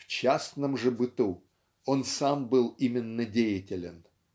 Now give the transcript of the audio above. в частном же быту он сам был именно деятелен.